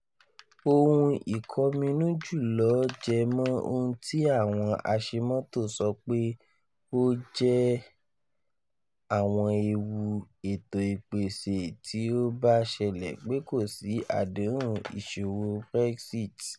Ohun ìkọminú jùlọ jẹ́mọ́ ohun tí àwọn aṣemọ́tò sọ pé ọ jẹ àwọń èwu ètò ìpèsè tí ó bá ṣẹlẹ̀ pé kò sí àdéhun ìṣòwò Brexit.